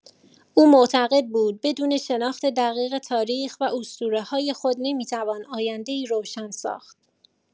او معتقد بود بدون شناخت دقیق تاریخ و اسطوره‌های خود نمی‌توان آینده‌ای روشن ساخت.